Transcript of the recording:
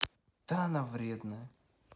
да она вредная